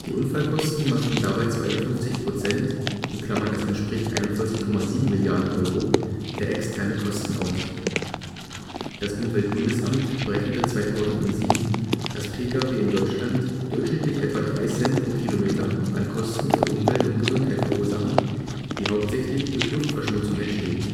Unfallkosten machten dabei 52 % (entspricht 41,7 Mrd. Euro) der externen Kosten aus. Das Umweltbundesamt berechnete 2007, dass Pkw in Deutschland durchschnittlich etwa 3 Cent pro Kilometer an Kosten für Umwelt und Gesundheit verursachen, die hauptsächlich durch Luftverschmutzung entstehen